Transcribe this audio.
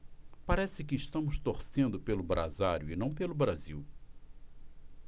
parece que estamos torcendo pelo brasário e não pelo brasil